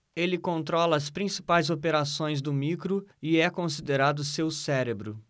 ele controla as principais operações do micro e é considerado seu cérebro